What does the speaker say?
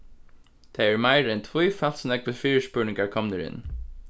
tað eru meira enn tvífalt so nógvir fyrispurningar komnir inn